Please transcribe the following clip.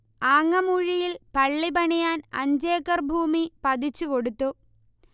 ആങ്ങമൂഴിയിൽ പള്ളി പണിയാൻ അഞ്ചേക്കർ ഭൂമി പതിച്ചു കൊടുത്തു